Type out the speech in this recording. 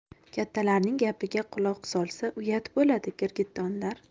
kattalarning gapiga quloq solsa uyat bo'ladi girgittonlar